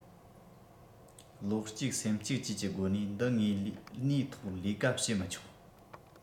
བློ གཅིག སེམས གཅིག བཅས ཀྱི སྒོ ནས འདི ངས ལས གནས ཐོག ལས ཀ བྱས མི ཆོག